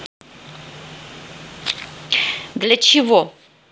для чего